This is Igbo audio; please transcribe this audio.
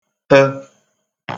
tə̣